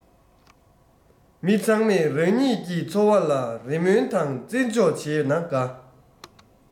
མི ཚང མས རང ཉིད ཀྱེ འཚོ བ ལ རེ སྨོན དང རྩེ རྗོག བྱེད ན དགའ